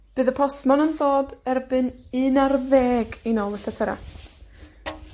Bydd y postmon yn dod erbyn un ar ddeg i nôl y llythyra'.